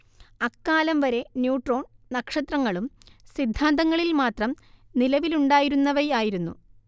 അക്കാലം വരെ ന്യൂട്രോൺ നക്ഷത്രങ്ങളും സിദ്ധാന്തങ്ങളിൽ മാത്രം നിലവിലുണ്ടായിരുന്നവയായിരുന്നു